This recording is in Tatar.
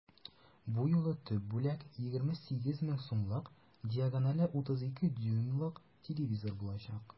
Бу юлы төп бүләк 28 мең сумлык диагонале 32 дюймлык телевизор булачак.